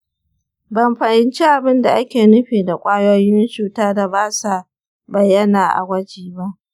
ban fahimci abin da ake nufi da ƙwayoyin cuta da ba sa bayyana a gwaji ba.